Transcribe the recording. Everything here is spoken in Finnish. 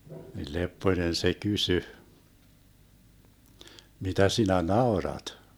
niin Lepponen se kysyi mitä sinä naurat